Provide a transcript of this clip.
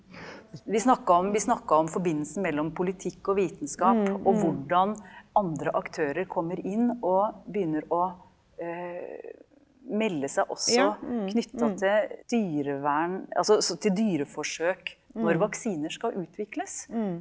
vi snakka om vi snakka om forbindelsen mellom politikk og vitenskap og hvordan andre aktører kommer inn og begynner å melde seg også knytta til dyrevern, altså så til dyreforsøk når vaksiner skal utvikles.